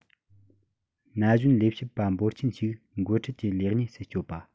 ན གཞོན ལས བྱེད པ འབོར ཆེན ཞིག འགོ ཁྲིད ཀྱི ལས གནས སུ བསྐྱོད པ